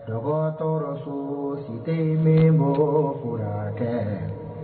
Jakɔ tɔɔrɔso siden bɛ mɔgɔ sugu la kɛ